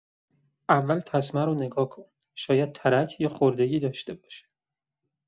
اول تسمه رو نگاه کن، شاید ترک یا خوردگی داشته باشه.